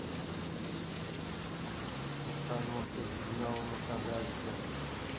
установка сигнала на солярисе